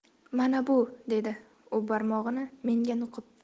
mana bu dedi u barmog'ini menga nuqib